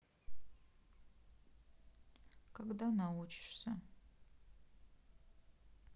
когда научишься